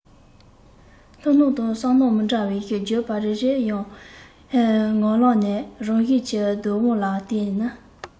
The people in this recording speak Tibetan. མཐོང སྣང དང བསམ སྣང མི འདྲ བའི བརྗོད པ རེ རེ ཡང ངག ལམ ནས རང བཞིན གྱིས བརྡོལ འོང བ དེ ནི